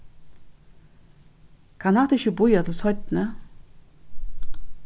kann hatta ikki bíða til seinni